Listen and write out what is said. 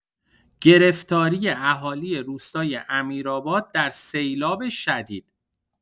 گرفتاری اهالی روستای امیرآباد در سیلاب شدید